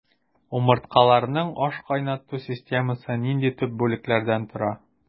Умырткалыларның ашкайнату системасы нинди төп бүлекләрдән тора?